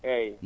eeyi